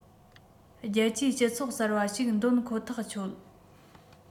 རྒྱལ སྤྱིའི སྤྱི ཚོགས གསར པ ཞིག འདོན ཁོ ཐག ཆོད